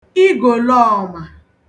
igòloọ̀mà